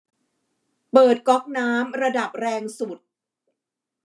เปิดก๊อกน้ำระดับแรงสุด